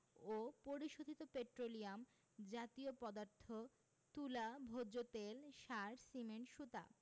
ও পরিশোধিত পেট্রোলিয়াম জাতীয় পদার্থ তুলা ভোজ্যতেল সার সিমেন্ট সুতা